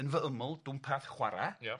yn fy ymyl dwmpath chwara ia?